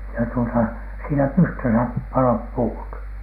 ja tuota siinä pystyssä paloivat puut